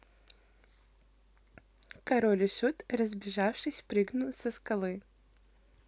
король и шут разбежавшись прыгну со скалы